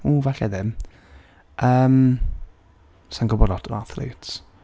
Ww falle ddim, yym, sa i'n gwybod lot am athletes.